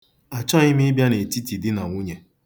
Achọghị m ịbịa n'etiti di na nwunye.